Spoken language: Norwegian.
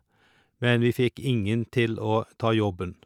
Men vi fikk ingen til å ta jobben.